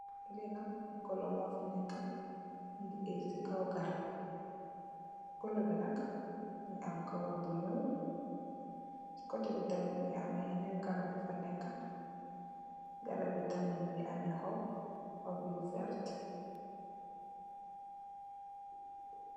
Li nak goolo mogi neka mongi agg si kaw garab goolo bi nak mongi am kawarr colur bu nuul si kote bi tamit mongi ame yeneen garab yu fa neka garabi tamit mongi ame xoop xoop yu verta.